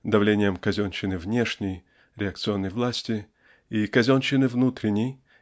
давлением казенщины внешней -- реакционной власти и казенщины внутренней